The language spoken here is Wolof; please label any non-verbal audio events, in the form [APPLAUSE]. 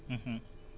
[HESITATION] [HESITATION]